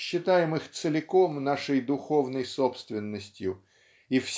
считаем их целиком нашей духовной собственностью и